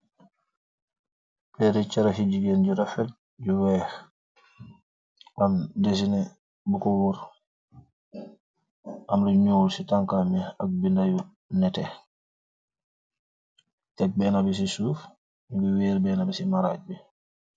Peehri chaarakh yu gigain yu rafet yu wekh, am dehsineh bukor wohrre, am lu njull ci taankam bii ak binda yu nehteh, tek bena bi ci suff, nju wehhrr bena bi ci marajj bii.